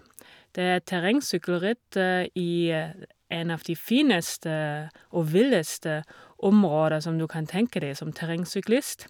Det er et terrengsykkelritt i en av de fineste og villeste områder som du kan tenke deg som terrengsyklist.